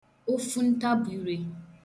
ofuntabụ̀ire